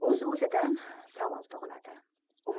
o'z o'zidan savol tug'iladi